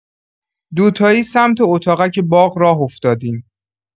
دوتایی سمت اتاقک باغ‌راه افتادیم.